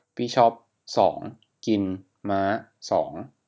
บิชอปสองกินม้าสอง